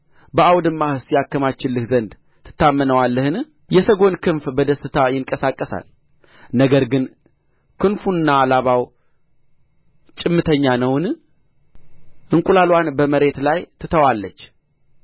በአውድማህስ ያከማችልህ ዘንድ ትታመነዋለህን የሰጐን ክንፍ በደስታ ይንቀሳቀሳል ነገር ግን ክንፉና ላባው ጭምተኛ ነውን እንቍላልዋን በመሬት ላይ ትተዋለች